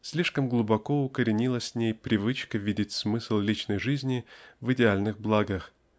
Слишком глубоко укоренилась в ней привычка видеть смысл личной жизни в идеальных благах